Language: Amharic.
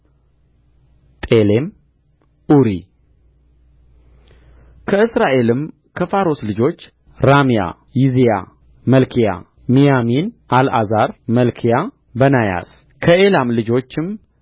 ጤሌም ኡሪ ከእስራኤልም ከፋሮስ ልጆች ራምያ ይዝያ መልክያ ሚያሚን አልዓዛር መልክያ በናያስ ከኤላም ልጆችም